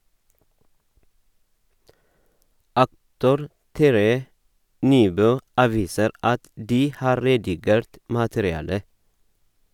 Aktor Terje Nybøe avviser at de har redigert materiale.